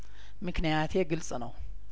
ምክንያቴ ግልጽ ነው